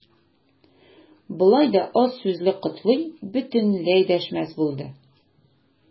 Болай да аз сүзле Котлый бөтенләй дәшмәс булды.